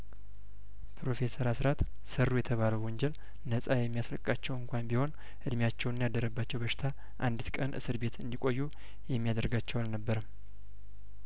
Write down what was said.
ፕሮፌሰር አስራት ሰሩ የተባለው ወንጀል ነጻ የሚያስለቅቃቸው እንኳን ቢሆን እድሚያቸውና ያደረባቸው በሽታ አንዲት ቀን እስር ቤት እንዲቆዩ የሚያደርጋቸው አልነበረም